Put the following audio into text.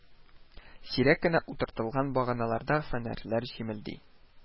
Сирәк кенә утыртылган баганаларда фонарьлар җемелди